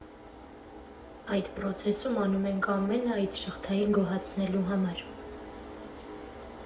Այդ պրոցեսում անում ենք ամենը այդ շղթային գոհացնելու համար։